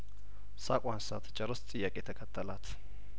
ሳቋን ሳት ጨርስ ጥያቄ ተከተላት